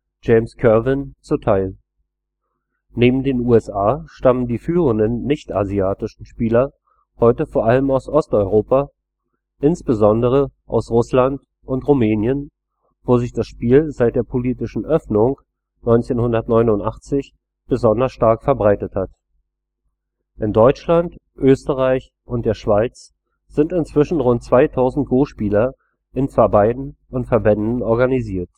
James Kervin zuteil. Neben den USA stammen die führenden nicht-asiatischen Spieler heute vor allem aus Osteuropa, insbesondere aus Russland und Rumänien, wo sich das Spiel seit der politischen Öffnung (1989) besonders stark verbreitet hat. In Deutschland, Österreich und der Schweiz sind inzwischen rund 2.000 Go-Spieler in Vereinen und Verbänden organisiert